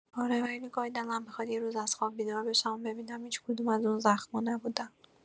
آره، ولی گاهی دلم می‌خواد یه روز از خواب بیدار بشم و ببینم هیچ‌کدوم از اون زخما نبودن.